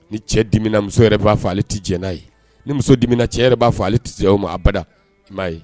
Ni cɛ di muso yɛrɛ b'a fɔ ale tɛ diɲɛ n'a ye ni muso di cɛ yɛrɛ b'a fɔ ale tɛ se aw ma a bada'a ye